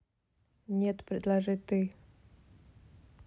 нет предложи ты